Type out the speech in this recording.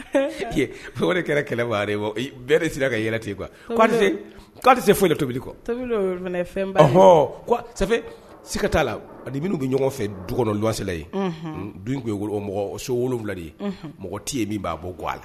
Fɛn wɛrɛ kɛra kɛlɛre bɛɛ de sera ka yɛlɛ ten kuwatɛ se foyi tobili kɔ fɛnɔfe si ka t'a laini bɛ ɲɔgɔn fɛ dukɔnɔ wasila ye mɔgɔ so wolowula de ye mɔgɔ tɛ ye min b'a bɔ ga a la